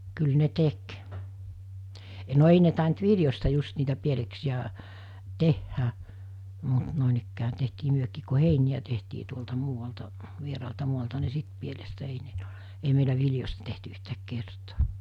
kyllä ne teki no ei ne tainnut viljoista just niitä pieleksiä tehdä mutta noinikään tehtiin mekin kun heiniä tehtiin tuolta muualta vieraalta maalta niin sitten pielestä ei meillä viljoista tehty yhtään kertaa